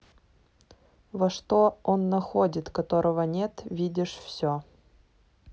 во что он находит которого нет видишь все